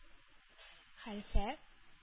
Хәлвә